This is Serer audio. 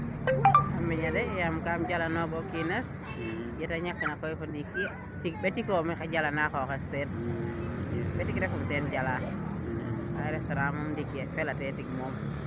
a miña de yaam kam jala noogu o kiines yeete ñak na koy fo ndiiki tiid ɓetiko maxey jala na a xooxes teen tiig ɓetiko maxey jal na xoxes teen tiig ɓetik teenr refum teen jala nda restaurant moom ndiiki fela te tik moom